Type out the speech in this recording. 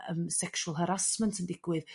yrm sexual harrasment yn digwydd